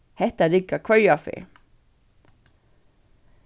hetta riggar hvørja ferð